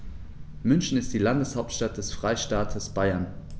München ist die Landeshauptstadt des Freistaates Bayern.